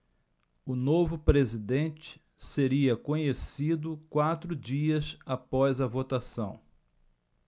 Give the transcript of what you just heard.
o novo presidente seria conhecido quatro dias após a votação